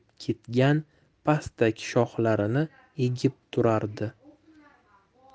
ketgan pastak shoxlarini egib turardi